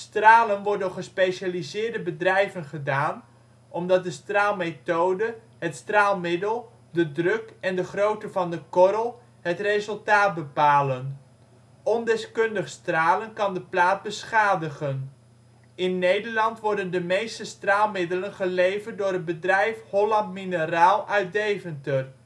Stralen wordt door gespecialiseerde bedrijven gedaan omdat de straalmethode, het straalmiddel, de druk en de grootte van de korrel het resultaat bepalen. Ondeskundig stralen kan de plaat beschadigen. In Nederland worden de meeste straalmiddelen geleverd door het bedrijf Holland Mineraal uit Deventer